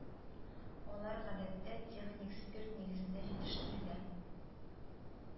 Алар, гадәттә, техник спирт нигезендә җитештерелә